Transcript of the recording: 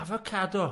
Avocado.